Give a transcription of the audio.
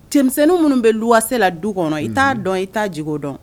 Cɛmisɛnnin minnu bɛ luwase la du kɔnɔ i t'a don i t'a joko don.